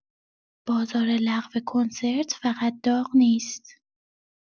بازار لغو کنسرت فقط داغ نیست.